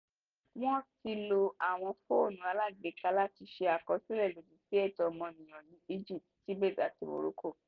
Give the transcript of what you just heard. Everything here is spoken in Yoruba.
Wọ́n ti lo àwọn fóònù alágbèéká láti ṣe àkọsílẹ̀ ìlòdì sí ẹ̀tọ́ ọmọnìyàn, ní Egypt, Tibet àti Morocco.